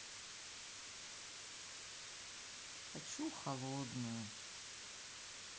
хочу холодную